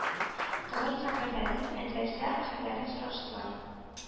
Казан хәбәрләрен, мәдрәсә хәлләрен сораштылар.